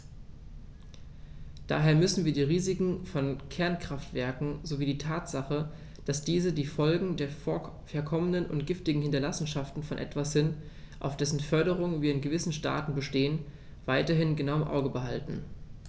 Daher müssen wir die Risiken von Kernkraftwerken sowie die Tatsache, dass diese die Folgen der verkommenen und giftigen Hinterlassenschaften von etwas sind, auf dessen Förderung wir in gewissen Staaten bestehen, weiterhin genau im Auge behalten.